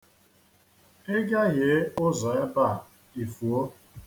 I gahiee ụzọ ebe a, I fuo.